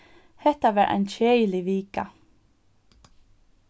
hetta var ein keðilig vika